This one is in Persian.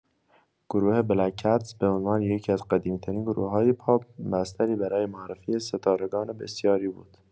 گروه بلک کتس به عنوان یکی‌از قدیمی‌ترین گروه‌های پاپ، بستری برای معرفی ستارگان بسیاری بود.